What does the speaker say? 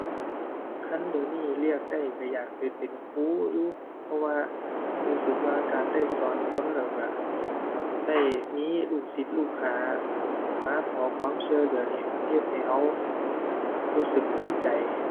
คันเดี๋ยวนี้เลือกได้ก็อยากไปเป็นครูอยู่ เพราะว่ารู้สึกว่าการได้สอนคนแล้วก็ได้มีลูกศิษย์ ลูกหามาขอความช่วยเหลือเนี่ย มันเฮ็ดให้ก็รู้สึกภูมิใจ